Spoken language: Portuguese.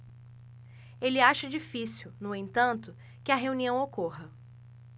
ele acha difícil no entanto que a reunião ocorra